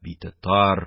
Бите тар,